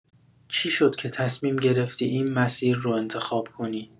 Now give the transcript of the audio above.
چی شد که تصمیم گرفتی این مسیر رو انتخاب کنی؟